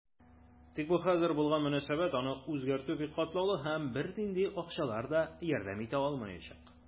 Тик бу хәзер булган мөнәсәбәт, аны үзгәртү бик катлаулы, һәм бернинди акчалар да ярдәм итә алмаячак.